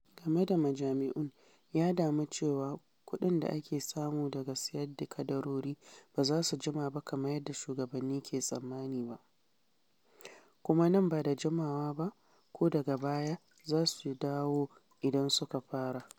A game da majami’un, ya damu cewa kuɗin da ake samu daga sayar da kadarori ba za su jima kamar yadda shugabanni ke tsammani ba, “kuma nan ba da jimawa ba ko daga baya za su dawo idan suka fara.”